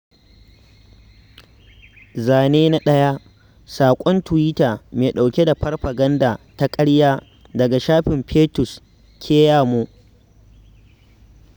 Zane na 1: Saƙon tuwita mai ɗauke da farfaganda ta ƙarya daga shafin Festus Keyamo